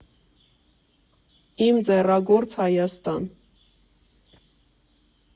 Իմ ձեռագործ Հայաստան։